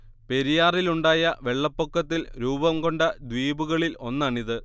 പെരിയാറിലുണ്ടായ വെള്ളപ്പൊക്കത്തിൽ രൂപം കൊണ്ട ദ്വീപുകളിൽ ഒന്നണിത്